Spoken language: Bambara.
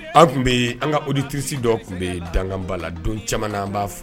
An' tun bee an ŋa auditrice dɔ tun bee daŋanba la don caman na an b'a f